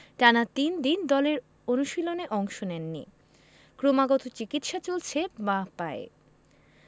টানা তিন দিন দলের অনুশীলনে অংশ নেননি ক্রমাগত চিকিৎসা চলছে বাঁ পায়ে